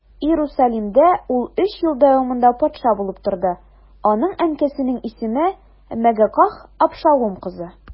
Иерусалимдә ул өч ел дәвамында патша булып торды, аның әнкәсенең исеме Мәгакәһ, Абшалум кызы.